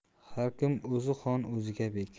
har kim o'ziga xon o'ziga bek